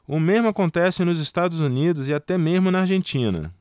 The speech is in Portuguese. o mesmo acontece nos estados unidos e até mesmo na argentina